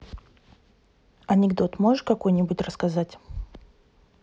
анекдот можешь какой нибудь рассказать